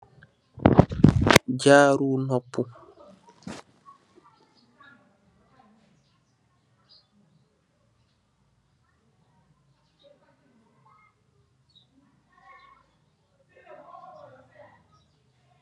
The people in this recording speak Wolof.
Jaru nopuh. Jigeen yi ñokoi faral di taka ci seeni nopuh.